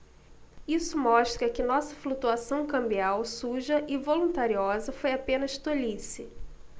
isso mostra que nossa flutuação cambial suja e voluntariosa foi apenas tolice